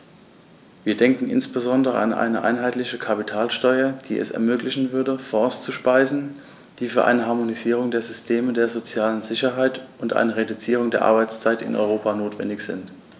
Wir denken insbesondere an eine einheitliche Kapitalsteuer, die es ermöglichen würde, Fonds zu speisen, die für eine Harmonisierung der Systeme der sozialen Sicherheit und eine Reduzierung der Arbeitszeit in Europa notwendig sind.